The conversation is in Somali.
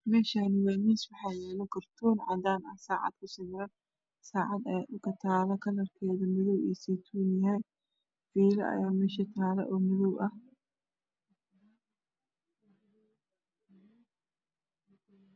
Meshani waa miis waxayalo karton cadan ah waxa kusawiran sacad sacad aya dhulka talo kalarkedu madow io seytuun yahay filo yaa mesha talo oo madow ah